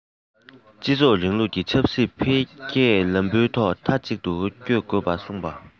སྤྱི ཚོགས རིང ལུགས ཀྱི ཆབ སྲིད འཕེལ རྒྱས ལམ བུའི ཐོག མཐའ གཅིག ཏུ སྐྱོད དགོས ཞེས གསུངས པ